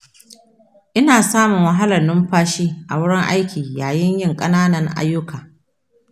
ina samun wahalar numfashi a wurin aiki yayin yin ƙananan ayyuka.